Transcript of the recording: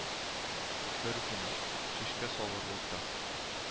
Бер үкенеч чәчкә салырлык та